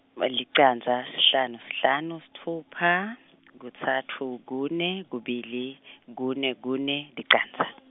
licandza, sihlanu sihlanu sitfupha , kutsatfu kune, kubili , kune kune licandza.